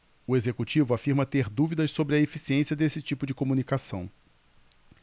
o executivo afirma ter dúvidas sobre a eficiência desse tipo de comunicação